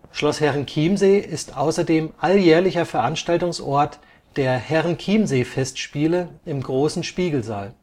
Schloss Herrenchiemsee ist außerdem alljährlicher Veranstaltungsort der Herrenchiemsee-Festspiele im großen Spiegelsaal